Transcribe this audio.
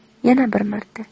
yana bir marta